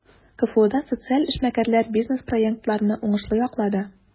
КФУда социаль эшмәкәрләр бизнес-проектларны уңышлы яклады.